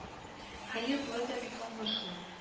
Хәер болай да бик аңлашыла